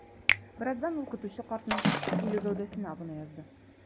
Бераздан ул көтүче картның үле гәүдәсенә абына язды.